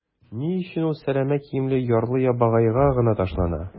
Ни өчен ул сәләмә киемле ярлы-ябагайга гына ташлана?